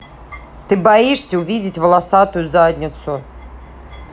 ты боишься увидеть волосатую задницу